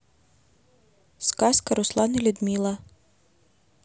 сказка руслан и людмила